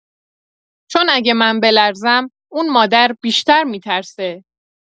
چون اگه من بلرزم، اون مادر بیشتر می‌ترسه.